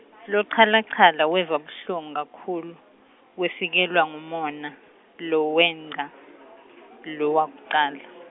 Lochalachala weva buhlungu kakhulu, wefikelwa ngumona, lowengca, lowakucala.